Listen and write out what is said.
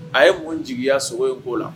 A ye mun jigiya suko in ko la